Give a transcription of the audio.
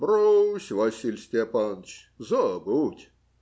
Брось, Василий Степаныч, забудь.